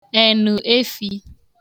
ènụ̀efī